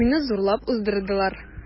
Туйны зурлап уздырдылар.